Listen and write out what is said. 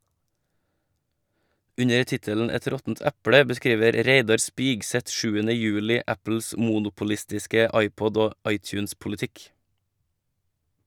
Under tittelen «Et råttent eple» beskriver Reidar Spigseth 7. juli Apples monopolistiske iPod- og iTunes-politikk.